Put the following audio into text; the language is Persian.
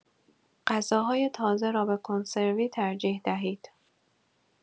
غذاهای تازه را به کنسروی ترجیح دهید.